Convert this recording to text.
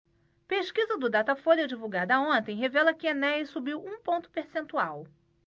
pesquisa do datafolha divulgada ontem revela que enéas subiu um ponto percentual